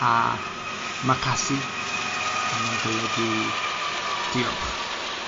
a macasi, A ma'n golygu diolch.